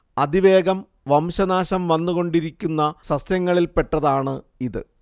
അതിവേഗം വംശനാശം വന്നുകൊണ്ടിരിക്കുന്ന സസ്യങ്ങളിൽ പെട്ടതാണ് ഇത്